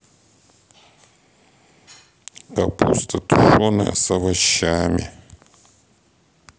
капуста тушеная с овощами